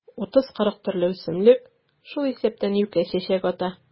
30-40 төрле үсемлек, шул исәптән юкә чәчәк ата.